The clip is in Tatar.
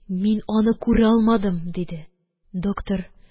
Мин аны күрә алмадым, – диде. доктор